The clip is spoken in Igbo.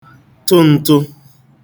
tụ ntụ